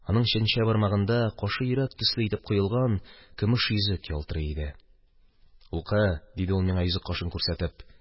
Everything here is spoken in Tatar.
Аның чәнчә бармагында кашы йөрәк төсле итеп коелган көмеш йөзек ялтырый иде. – Укы! – диде ул, миңа йөзек кашын күрсәтеп